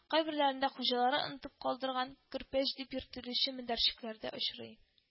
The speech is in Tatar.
Кайберләрендә хуҗалары онытып калдырган, көрпәч дип йөртелүче мендәрчекләр дә очрый